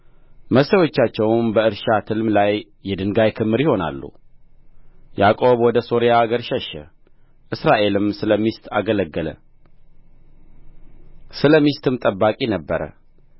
መሠዊያዎቻቸውም በእርሻ ትልም ላይ የድንጋይ ክምር ይሆናሉ ያዕቆብ ወደ ሶርያ አገር ሸሸ እስራኤልም ስለ ሚስት አገለገለ ስለ ሚስትም ጠባቂ ነበረ